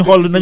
moo gën